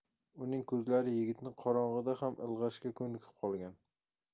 uning ko'zlari yigitni qorong'ida ham ilg'ashga ko'nikib qolgan